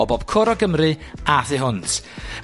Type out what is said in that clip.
o bob cwr o Gymru a thu hwnt,